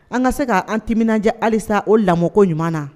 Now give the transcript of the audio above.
An ka se k'an timinjɛ halisa o lamɔkoɲuman na